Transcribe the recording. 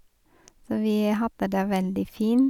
Så vi hadde det veldig fin.